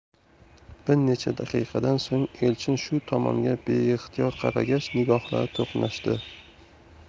bir necha daqiqadan so'ng elchin shu tomonga beixtiyor qaragach nigohlari to'qnashdi